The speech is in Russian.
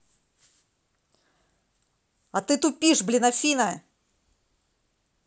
а ты тупишь блин афина